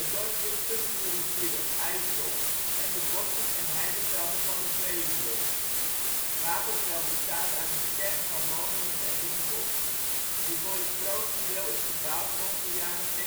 dorp ligt tussen de rivier de IJssel en de bossen en heidevelden van de Veluwe. Wapenveld bestaat uit een kern van woningen en winkels die voor het grootste deel is gebouwd rond de jaren